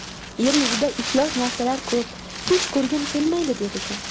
yer yuzida iflos narsalar ko'p hech ko'rgim kelmaydi der ekan